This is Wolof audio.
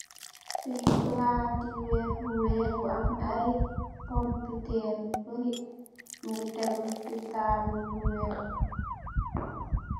Fii palati wèèr bu wèèx bu am ay pompu yu barri mugii tégu ci tabull bu wèèx.